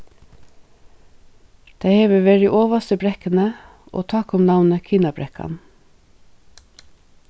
tað hevur verið ovast í brekkuni og tá kom navnið kinabrekkan